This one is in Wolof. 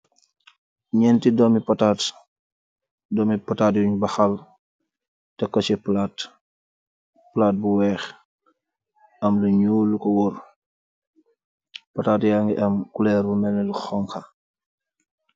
Nyenti domi pataat. Domi pataat yuñ baxal tekko ci plate bu weex am lu ñulu ko wóor. Pataat ya ngi am kuleer lu menni lu xonka.